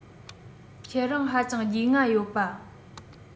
ཁྱེད རང ཧ ཅང རྒྱུས མངའ ཡོད པ